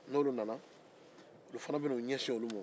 n'olu nana u fana bɛna u ɲɛsi o de ma